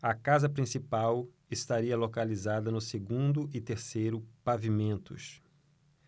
a casa principal estaria localizada no segundo e terceiro pavimentos